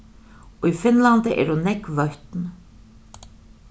í finnlandi eru nógv vøtn